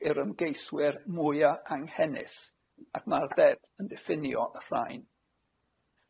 i'r ymgeiswyr mwya' anghennus, ac ma'r ddeddf yn diffinio y rhain.